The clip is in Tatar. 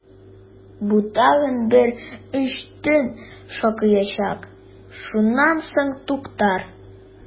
Бу тагын бер өч төн шакыячак, шуннан соң туктар!